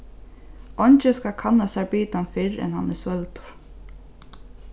eingin skal kanna sær bitan fyrr enn hann er svølgdur